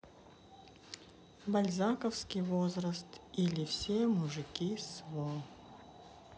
бальзаковский возраст или все мужики сво